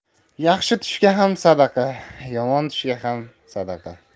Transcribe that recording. yaxshi tushga ham sadaqa yomon tushga ham sadaqa